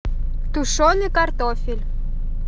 тушеный картофель